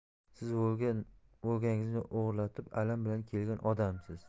siz volga ngizni o'g'irlatib alam bilan kelgan odamsiz